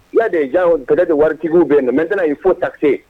We de jan gari de waritigiww bɛ nkatna yen fo ta se